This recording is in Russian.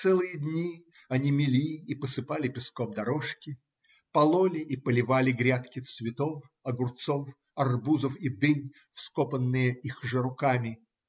целые дни они мели и посыпали песком дорожки, пололи и поливали грядки цветов, огурцов, арбузов и дынь, вскопанные их же руками.